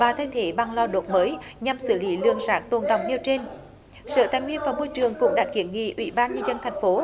và thay thế bằng lao động mới nhằm xử lý lượng rác tồn đọng nêu trên sở tài nguyên và môi trường cũng đã kiến nghị ủy ban nhân dân thành phố